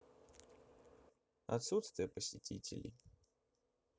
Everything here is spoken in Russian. отсутствие посетителей